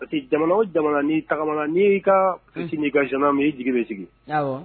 Parce que jamana jamana n'i tagamana n'i y'i ka ka zna min i jigi bɛ sigi